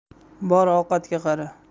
bor ovqatga qara